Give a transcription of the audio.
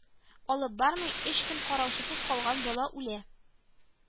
Алып бармый, өч көн караучысыз калган бала үлә